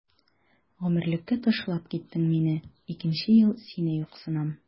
Гомерлеккә ташлап киттең мине, икенче ел сине юксынам.